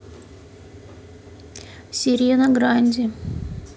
серена гранди